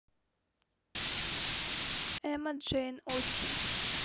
эмма джейн остин